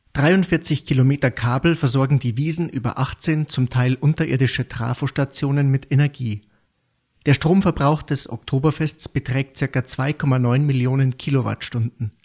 43 Kilometer Kabel versorgen die Wiesn über 18 zum Teil unterirdische Trafostationen mit Energie. Der Stromverbrauch des Oktoberfests beträgt ca. 2,9 Millionen Kilowattstunden